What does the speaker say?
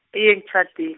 iye ngitjhadil-.